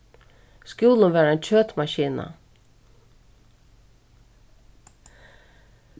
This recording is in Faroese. skúlin var ein kjøtmaskina